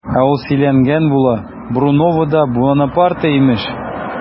Ә ул сөйләнгән була, Бруновода Бунапарте имеш!